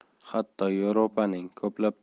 hatto yevropaning ko'plab